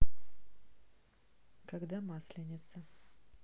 когда масленица